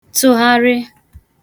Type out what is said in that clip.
tụgharị